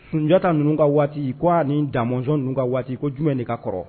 Sunjataka ninnu ka waati k koa ni dazɔnon ninnu ka waati ko ju nin ka kɔrɔ